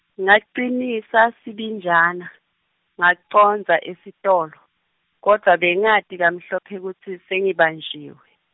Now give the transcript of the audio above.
Ngacinisa sibinjana, ngacondza esitolo, kodvwa bengati kamhlophe kutsi sengibanjiwe.